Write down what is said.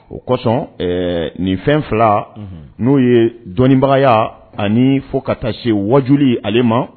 O kɔsɔn nin fɛn fila n'o ye dɔnnibagaya ani fo ka taa se wajuli ale ma.